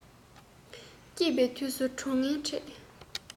སྐྱིད པའི དུས སུ གྲོགས ངན འཕྲད